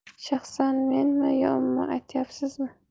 shaxsan menmi yo umuman aytyapsizmi